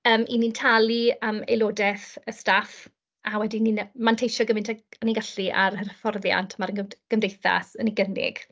Yym 'y ni'n talu am aelodaeth y staff, a wedyn ni'n manteisio gymaint â ni'n gallu ar yr hyfforddiant ma'r gymd- gymdeithas yn ei gynnig.